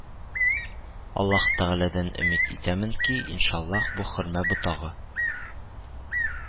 Аллаһы Тәгаләдән өмид итәмен ки, иншаллаһ, бу хөрмә ботагы